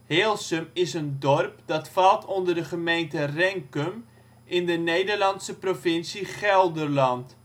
Heelsum is een dorp dat valt onder de gemeente Renkum in de Nederlandse provincie Gelderland